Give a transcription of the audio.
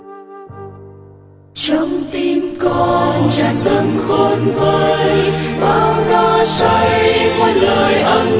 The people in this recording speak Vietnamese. đk trong tim con tràn dâng khôn vơi bao no say muôn lời ân phúc